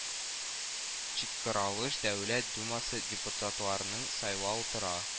Чакырылыш дәүләт думасы депутатларын сайлау тора